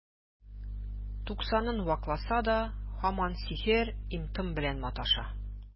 Туксанын вакласа да, һаман сихер, им-том белән маташа.